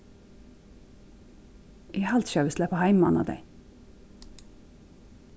eg haldi ikki at vit sleppa heim mánadagin